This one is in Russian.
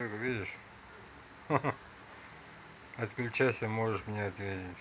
отключайся можешь мне ответить